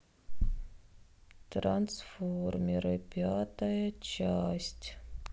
трансформеры пятая часть